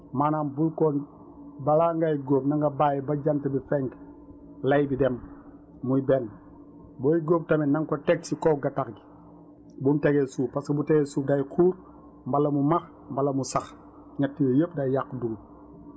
maanaam bul ko balaa ngay góob na nga bàyyi ba jant bi fenk lay bi dem muy benn booy góob tamit na nga ko teg si kaw gattax gi bum tege ci suuf parce que bu tegee ci suuf day xuur wabal mu max wala mu sax ñett yooyu yépp day yàq dugub